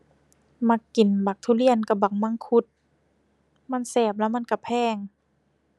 มักกินบักทุเรียนกับบักมังคุด มันแซ่บแล้วมันก็แพง